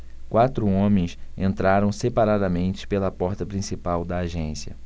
quatro homens entraram separadamente pela porta principal da agência